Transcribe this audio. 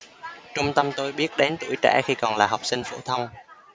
trung tâm tôi biết đến tuổi trẻ khi còn là học sinh phổ thông